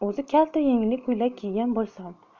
o'zi kalta yengli ko'ylak kiygan bo'lsam